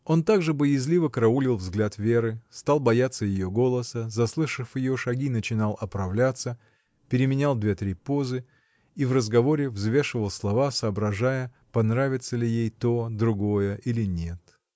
Он так же боязливо караулил взгляд Веры, стал бояться ее голоса, заслышав ее шаги, начинал оправляться, переменял две-три позы и в разговоре взвешивал слова, соображая, понравится ли ей то, другое или нет.